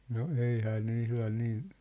no eihän ne ihan niin